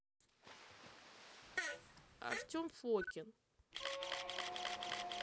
артем фокин